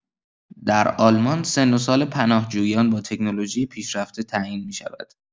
در آلمان سن و سال پناهجویان با تکنولوژی پیشرفته تعیین می‌شود.